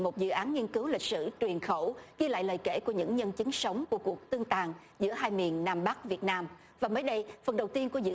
một dự án nghiên cứu lịch sử truyền khẩu ghi lại lời kể của những nhân chứng sống của vụ tương tàn giữa hai miền nam bắc việt nam và mới đây phần đầu tiên của dự